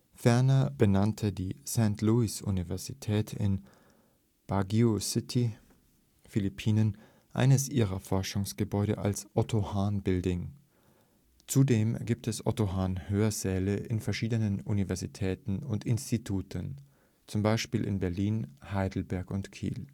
Ferner benannte die Saint Louis Universität in Baguio City (Philippinen) eines ihrer Forschungsgebäude als Otto Hahn Building, zudem gibt es Otto-Hahn-Hörsäle in verschiedenen Universitäten und Instituten (zum Beispiel in Berlin, Heidelberg und Kiel